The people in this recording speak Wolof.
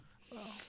waaw